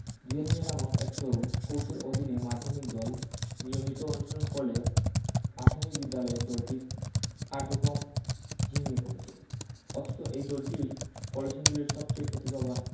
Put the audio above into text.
জুয়েল মিয়া নামক এক তরুণ কৌচের অধীনে মাধ্যমিক দল নিয়মিত অনুশীলন করলেও পাথমিক বিদ্যালয়ের দলটির কার্যকম ঝিমিয়ে পড়েছে অথচ এই দলটিই কলসিন্দুরের সবচেয়ে প্রতিভাবান